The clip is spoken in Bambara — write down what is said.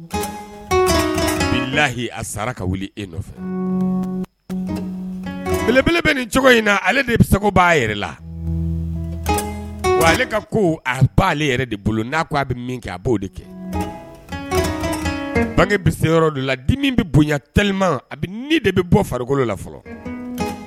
Hi a sara ka wuli e nɔfɛ belebele bɛ nin cogo in na ale de bɛ se b' yɛrɛ la ale ka ko aale de bolo a bɛ min kɛ a b'o de kɛ bange bɛ yɔrɔ la di min bɛ bonya teli ni de bɛ bɔ farikolo la fɔlɔ